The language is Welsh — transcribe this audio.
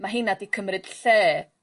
ma' 'heina 'di cymryd lle